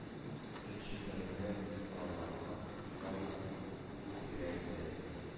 Иң четерекле сорауларны шулай ук ул бирә иде.